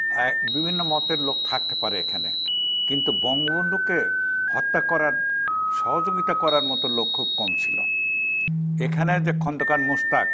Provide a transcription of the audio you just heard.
বিভিন্ন মতের লোক থাকতে পারে এখানে কিন্তু বঙ্গবন্ধুকে হত্যা করায় সহযোগিতা করার মতো লোক খুব কম ছিল এখানে যে খন্দকার মোসতাক